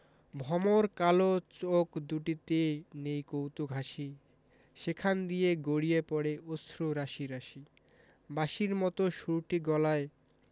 ভমর কালো চোখ দুটিতে নেই কৌতুক হাসি সেখান দিয়ে গড়িয়ে পড়ে অশ্রু রাশি রাশি বাঁশির মতো সুরটি গলায়